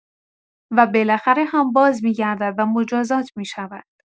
و بالاخره هم بازمی‌گردد و مجازات می‌شود.